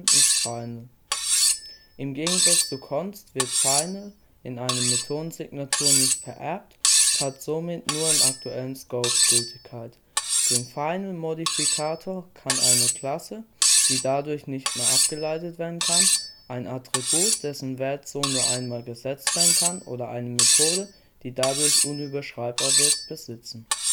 ist final. Im Gegensatz zu const wird final in einer Methodensignatur nicht vererbt und hat somit nur im aktuellen Scope Gültigkeit. Den final-Modifikator kann eine Klasse (die dadurch nicht mehr abgeleitet werden kann), ein Attribut (dessen Wert so nur einmal gesetzt werden kann) oder eine Methode (die dadurch unüberschreibbar wird) besitzen